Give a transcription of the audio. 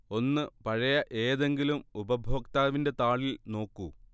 ഒന്ന് പഴയ ഏതെങ്കിലും ഉപഭോക്താവിന്റെ താളിൽ നോക്കൂ